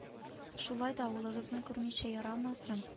Шулай да авылыгызны күрмичә ярамы соң